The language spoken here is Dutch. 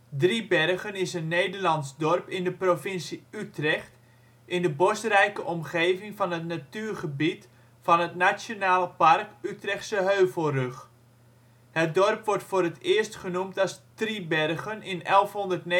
Driebergen is een Nederlands dorp in de provincie Utrecht in de bosrijke omgeving van het natuurgebied van het Nationaal Park Utrechtse Heuvelrug. Het dorp wordt voor het eerst genoemd als Thriberghen in 1159